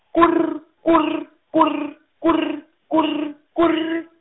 kurr, kurr, kurr, kurr, kurr, kurr.